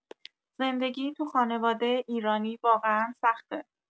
زندگی تو خانواده ایرانی واقعا سخته.